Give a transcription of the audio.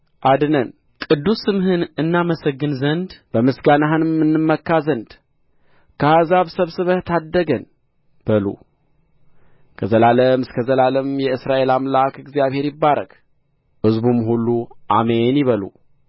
አድነን ቅዱስ ስምህን እናመሰግን ዘንድ በምስጋናህም እንመካ ዘንድ ከአሕዛብ ሰብስበህ ታደገን በሉ ከዘላለም እስከ ዘላለም የእስራኤል አምላክ እግዚአብሔር ይባረክ ሕዝቡም ሁሉ አሜን ይበሉ